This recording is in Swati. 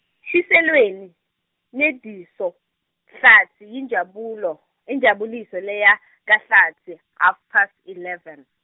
Shiselweni, Nediso, Hlatsi yinjabulo, injabuliso leya, kaHlatsi, half past eleven.